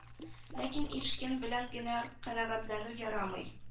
Ләкин ирешкән белән генә канәгатьләнү ярамый